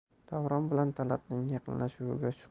davron bilan talatning yaqinlashuviga shu